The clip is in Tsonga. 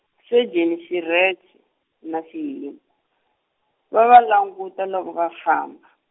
Sejeni Xirheche, na Xihimu, va va languta loko va famba.